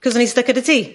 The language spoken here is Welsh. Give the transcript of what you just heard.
'C'os o'n i'n styc yn y tŷ.